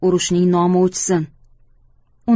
urushning nomi o'chsin